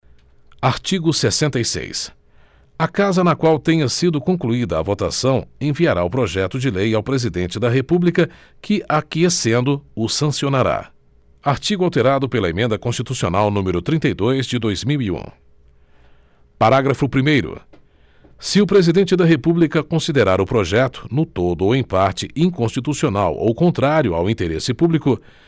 artigo sessenta e seis a casa na qual tenha sido concluída a votação enviará o projeto de lei ao presidente da república que aquiescendo o sancionará artigo alterado pela emenda constitucional número trinta e dois de dois mil e um parágrafo primeiro se o presidente da república considerar o projeto no todo ou em parte inconstitucional ou contrário ao interesse público